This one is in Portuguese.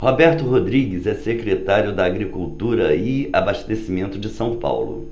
roberto rodrigues é secretário da agricultura e abastecimento de são paulo